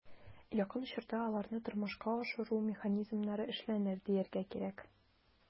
Якын чорда аларны тормышка ашыру механизмнары эшләнер, дияргә кирәк.